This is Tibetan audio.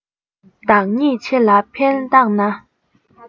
བདག ཉིད ཆེ ལ ཕན བཏགས ན